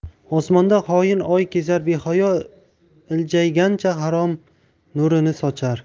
osmonda xoin oy kezar behayo iljaygancha harom nurini sochar